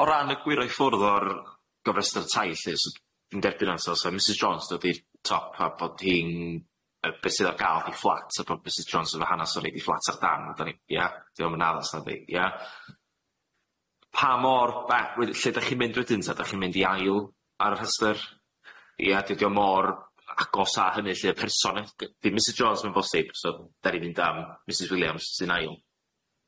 O ran y gwyro i ffwrdd o'r gofrestyr tai lly so dwi'n derbyn rwan so eto so Mrs Jones dydi'r top a bod hi'n yy be' sydd ar ga'l off ei fflat a bod Mrs Jones yn fy hanas o neud ei fflat a'ch darn dduda ni ia diom yn addas na ddeud ia. Pa mor ba- we- lle dych chi'n mynd wedyn ta dych chi'n mynd i ail ar y rhestyr, ia dydi o mor agos a hynny lly y person nes- gy- ddim Mrs Jones ma'n bosib so 'da ni fynd am Mrs. Williams sy'n ail.